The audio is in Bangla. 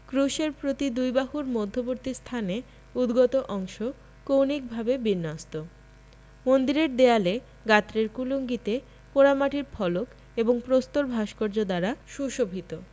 ক্রুশের প্রতি দুই বাহুর মধ্যবর্তী স্থানে উদ্গত অংশ কৌণিকভাবে বিন্যস্ত মন্দিরের দেয়ালে গাত্রের কুলুঙ্গিতে পোড়ামাটির ফলক এবং প্রস্তর ভাস্কর্য দ্বারা সুশোভিত